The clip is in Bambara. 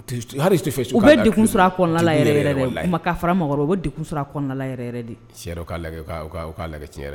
Te c hari u te u be degun sɔr'a kɔɔna la yɛrɛ yɛrɛ dɛ kuma k'a fara mɔgɔ wɛrɛ u be degun sɔr'a kɔɔna la yɛrɛ yɛrɛ de siyɔ u k'a lagɛ u k'a u k'a u k'a lagɛ tiɲɛ yɛrɛ